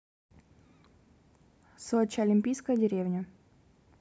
сочи олимпийская деревня